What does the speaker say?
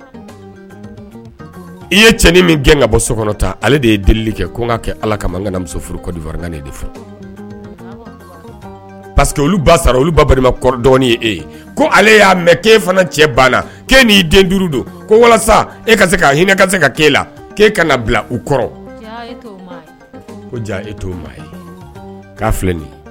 I ye cɛnin min gɛn ka bɔ so kɔnɔ ta ale de ye deli kɛ kɛ ala ka ka muso furu de paseke ba olu ba balima e ko ale y'a mɛn kee fana cɛ bannai duuru don ko e hinɛ ka se ka kɛ la' kana bila u kɔrɔ e'o ma ye' filɛ nin